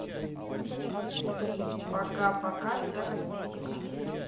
пока пока вся косметика